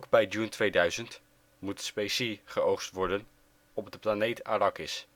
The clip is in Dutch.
bij Dune 2000 moet spice (" specie ") geoogst worden op de planeet Arrakis